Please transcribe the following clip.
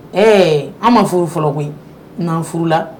Ee an man furu fɔlɔ koyi n'an furu la